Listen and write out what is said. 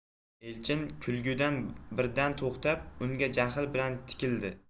elchin kulgidan birdan to'xtab unga jahl bilan tikildi